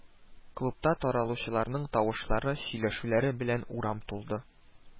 Клубтан таралучыларның тавышлары, сөйләшүләре белән урам тулды